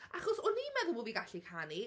Achos, o'n i'n meddwl bo' fi gallu canu...